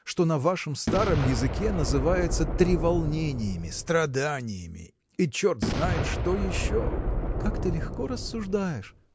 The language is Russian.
что на вашем старом языке называется треволнениями страданиями. и черт знает что еще! – Как ты легко рассуждаешь!